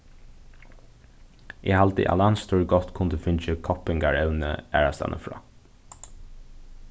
eg haldi at landsstýrið gott kundi fingið koppingarevni aðrastaðni frá